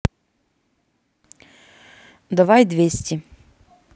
давай двести